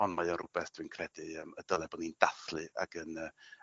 ond mae o rwbeth dwi'n credu yym y dyle bo' ni'n dathlu ag yn yy